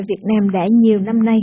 nhiều năm nay